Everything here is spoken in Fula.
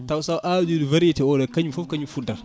taw sa awi variété o kañum foof kañum fuddata